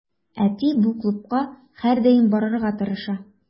Әти бу клубка һәрдаим барырга тырыша.